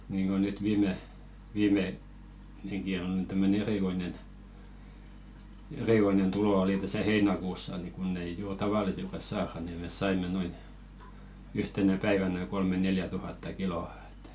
niin että niin kuin nyt viime viime sekin on nyt tämmöinen erikoinen erikoinen tulo oli tässä heinäkuussa niin kun ei juuri tavallisesti saada niin me saimme noin yhtenä päivänä kolme neljä tuhatta kiloa että